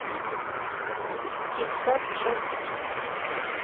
тик так часики